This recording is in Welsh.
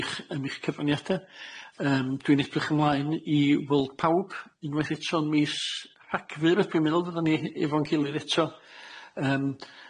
eich am eich cyfraniade, yym dwi'n edrych ymlaen i weld pawb unwaith eto'n mis Rhagfyr dwi'n meddwl fyddwn ni he- efo'n gilydd eto yym.